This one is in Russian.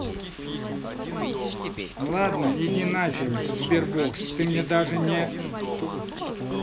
ладно иди нафиг sberbox ты мне даже не